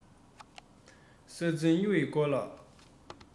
ས འཛིན གཡུ ཡི མདོག ལ